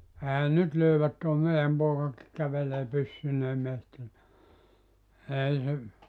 eihän nyt löydä tuo meidän poikakin kävelee --- pyssyineen metsiä ei se